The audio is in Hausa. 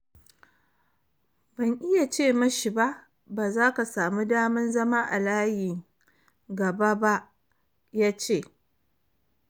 “Ban iya ce mashi ‘ba zaka samu daman zama a layin gaba ba baba’,” ya ce.